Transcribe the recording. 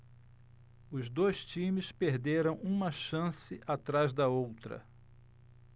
os dois times perderam uma chance atrás da outra